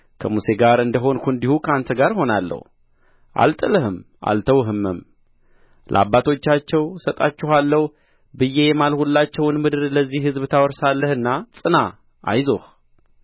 ከሙሴ ጋር እንደ ሆንሁ እንዲሁ ከአንተ ጋር እሆናለሁ አልጥልህም አልተውህም ለአባቶቻቸው እሰጣችኋለሁ ብዬ የማልሁላቸውን ምድር ለዚህ ሕዝብ ታወርሳለህና ጽና አይዞህ